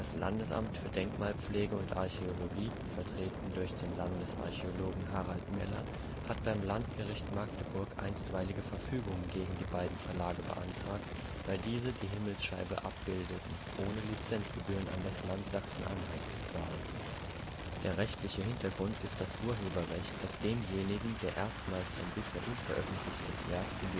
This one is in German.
Landesamt für Denkmalpflege und Archäologie, vertreten durch den Landesarchäologen Harald Meller, hat beim Landgericht Magdeburg einstweilige Verfügungen gegen die beiden Verlage beantragt, weil diese die Himmelsscheibe abbilden, ohne Lizenzgebühren an das Land Sachsen-Anhalt zu zahlen. Der rechtliche Hintergrund ist das Urheberrecht, das demjenigen, der erstmals ein bisher unveröffentlichtes Werk in